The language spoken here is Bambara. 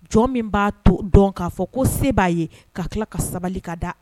Jɔn min b'a to dɔn k'a fɔ ko se b'a ye ka tila ka sabali ka da